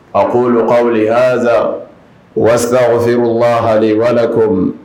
A ko ka hasa waa o fɛ waaaa waa ko